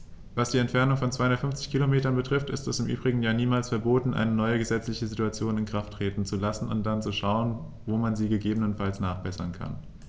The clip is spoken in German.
Was die Entfernung von 250 Kilometern betrifft, ist es im Übrigen ja niemals verboten, eine neue gesetzliche Situation in Kraft treten zu lassen und dann zu schauen, wo man sie gegebenenfalls nachbessern kann.